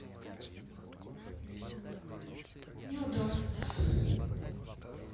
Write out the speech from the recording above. не удастся